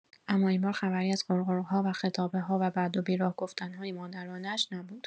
اما این بار خبری از غرغرها و خطابه‌ها و بد و بی راه گفتن‌های مادرانه‌اش نبود.